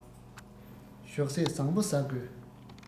ཞོགས ཟས བཟང པོ བཟའ དགོས